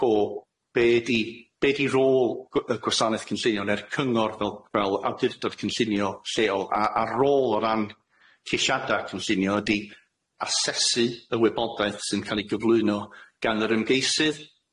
co be' di be' di rôl gw- yy gwasanaeth cynllunio ne'r cyngor fel fel awdurdod cynllunio lleol a a rôl o ran ceisiada cynllunio ydi asesu y wybodaeth sy'n ca'l i gyflwyno gan yr ymgeisydd,